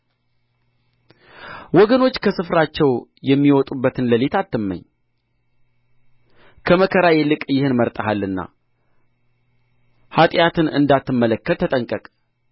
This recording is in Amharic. ወገኖች ከስፍራቸው የሚወጡበትን ሌሊት አትመኝ ከመከራ ይልቅ ይህን መርጠሃልና ኃጢአትን እንዳትመለከት ተጠንቀቅ